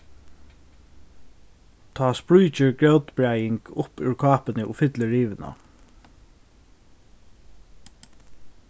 tá spríkir grótbræðing upp úr kápuni og fyllir rivuna